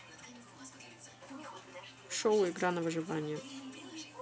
шоу игра на выживание